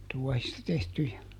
tuohista tehtyjä